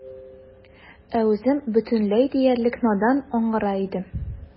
Ә үзем бөтенләй диярлек надан, аңгыра идем.